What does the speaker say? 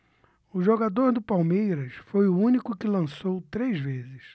o jogador do palmeiras foi o único que lançou três vezes